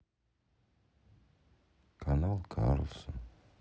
канал карлсон